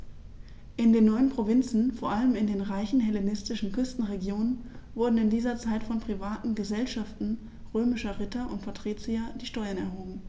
In den neuen Provinzen, vor allem in den reichen hellenistischen Küstenregionen, wurden in dieser Zeit von privaten „Gesellschaften“ römischer Ritter und Patrizier die Steuern erhoben.